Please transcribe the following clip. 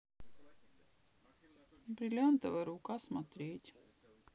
бриллиантовая рука смотреть